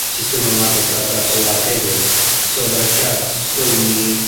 system yma'n dod ar draws y wlad hefyd. So ma' 'na chance gown ni